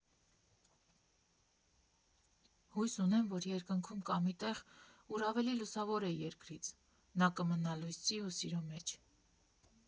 Հույս ունեմ, որ երկնքում կամ մի տեղ, ուր ավելի լուսավոր է երկրից՝ նա կմնա լույսի ու սիրո մեջ։